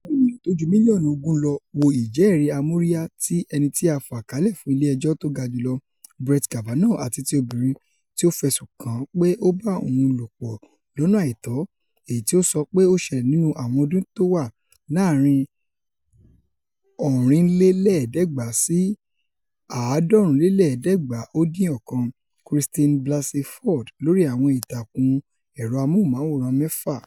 Àwọn ènìyàn tóju mílíọ̀nù ogún ló wo ìjẹ́ẹ̀rí amóríyá ti ẹnití a fàkalẹ̀ fún Ilé Ẹjọ́ tógajùlọ Brett Kavanaugh àti ti obìnrin tí o fẹ̀suǹ kàn án pé ó bá òun lòpọ̀ lọ́nà àìtọ́ èyití ó sọ pé ó ṣẹlẹ̀ nínú àwọn ọdún tówà láàrin1980 si 1989, Christine Blasey Ford, lórí àwọn ìtàkùn ẹrọ amóhùnmáwòrán mẹ́fà.